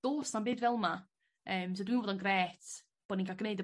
Do's na'm byd fel 'na yym so dw fod o'n grêt bo' ni'n ca'l gneud y